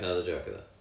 o'dd y jôc yn dda